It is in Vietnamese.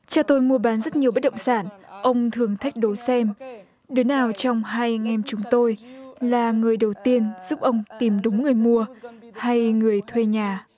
cha tôi mua bán rất nhiều bất động sản ông thường thách đố xem đứa nào trong hai anh em chúng tôi là người đầu tiên giúp ông tìm đúng người mua hay người thuê nhà